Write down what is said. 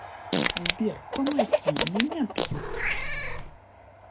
сбер помоги меня бьют